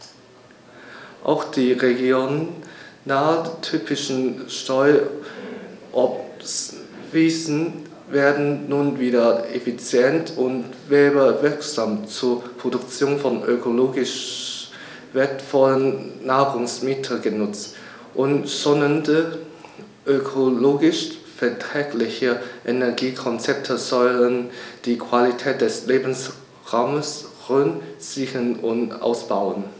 Auch die regionaltypischen Streuobstwiesen werden nun wieder effizient und werbewirksam zur Produktion von ökologisch wertvollen Nahrungsmitteln genutzt, und schonende, ökologisch verträgliche Energiekonzepte sollen die Qualität des Lebensraumes Rhön sichern und ausbauen.